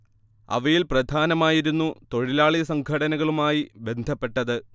അവയിൽ പ്രധാനമായിരുന്നു തൊഴിലാളി സംഘടനകളുമായി ബന്ധപ്പെട്ടത്